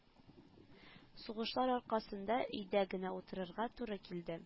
Сугышлар аркасында өйдә генә утырырга туры килде